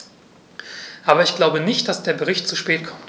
Aber ich glaube nicht, dass der Bericht zu spät kommt.